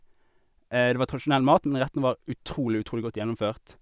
Det var tradisjonell mat, men rettene var utrolig, utrolig godt gjennomført.